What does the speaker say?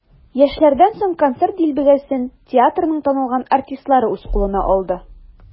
Яшьләрдән соң концерт дилбегәсен театрның танылган артистлары үз кулына алды.